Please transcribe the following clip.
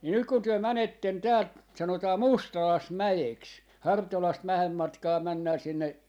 niin nyt kun te menette täältä sanotaan Mustalaismäeksi Hartolasta vähän matkaa mennään sinne